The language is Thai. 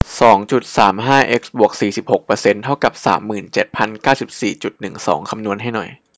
สองจุดสามห้าเอ็กซ์บวกสี่สิบหกเปอร์เซนต์เท่ากับสามหมื่นเจ็ดพันเก้าสิบสี่จุดหนึ่งสองคำนวณให้หน่อย